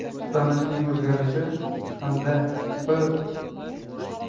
qutblanishning o'zgarishi fanda